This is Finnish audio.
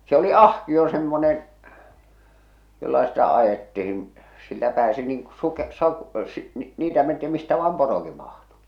se oli ahkio semmoinen jolla sitä ajettiin sillä pääsi niin kun --- niitä mentiin mistä vain porokin mahtui